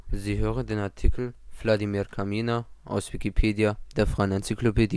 Sie hören den Artikel Wladimir Kaminer, aus Wikipedia, der freien Enzyklopädie